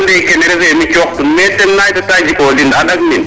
o ande kene refe mi coxtun mais ten na reta jikodin a ɗasnin